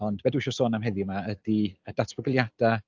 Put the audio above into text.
Ond be dwi isio sôn am heddiw 'ma ydy y datblygiadau.